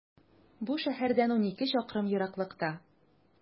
Бу шәһәрдән унике чакрым ераклыкта.